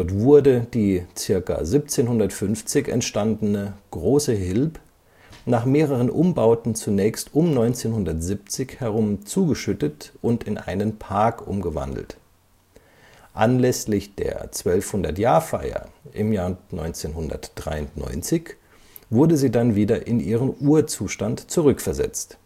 wurde die circa 1750 entstandene große Hilb nach mehreren Umbauten zunächst um 1970 herum zugeschüttet und in einen Park umgewandelt. Anlässlich der 1200-Jahr-Feier im Jahr 1993 wurde sie dann wieder in ihren Urzustand zurückversetzt